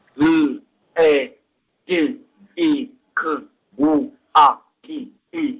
L, E, T, I, K, W, A, T, I.